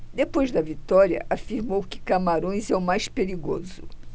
depois da vitória afirmou que camarões é o mais perigoso